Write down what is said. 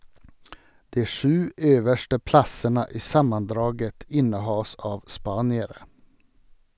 De sju øverste plassene i sammendraget innehas av spaniere.